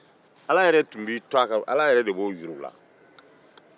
ala yɛrɛ de b'o juru la